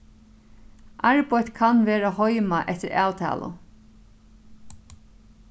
arbeitt kann verða heima eftir avtalu